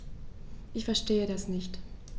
Ich verstehe das nicht.